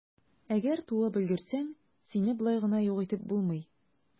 Әгәр туып өлгерсәң, сине болай гына юк итеп булмый.